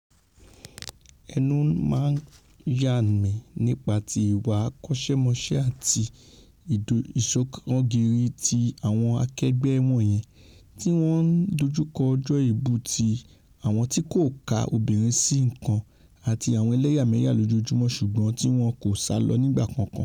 Ẹnu máa ń yà mi nípa ti ìwà akọ́ṣẹ́mọṣẹ́ àti ìṣọkàngírí ti àwọn akẹgbẹ́ wọ̀nyen tí wọ́n ń dojúkọ òjò èèbù ti àwọn tí kòka obìnrin sí nǹkan àti àwọn ẹlẹ́yàmẹ̀yà lójoojúmọ́ ṣùgbọ́n tíwọn kò sálọ nígbà kankan.